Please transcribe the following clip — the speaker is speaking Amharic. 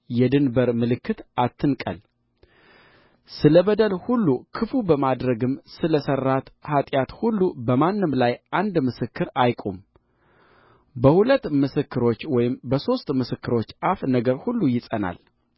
የድንበር ምልክት አትንቀል ስለ በደል ሁሉ ክፉ በማድረግም ስለ ሠራት ኃጢአት ሁሉ በማንም ላይ አንድ ምስክር አይቁም በሁለት ምስክሮች ወይም በሦስት ምስክሮች አፍ ነገር ሁሉ ይጸናል